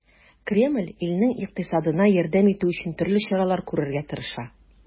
Кремль илнең икътисадына ярдәм итү өчен төрле чаралар күрергә тырыша.